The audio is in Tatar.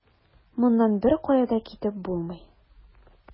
Моннан беркая да китеп булмый.